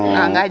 non